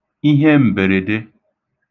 ihem̀bèrèdē